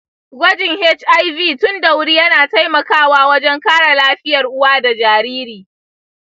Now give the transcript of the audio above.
gwajin hiv tun da wuri yana taimakawa wajen kare lafiyar uwa da jariri.